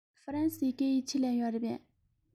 ཧྥ རན སིའི སྐད ཡིག ཆེད ལས ཡོད རེད པས